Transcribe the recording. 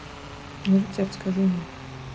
ну рецепт скажи мне